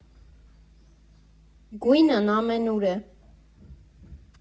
Գույնն ամենուր է։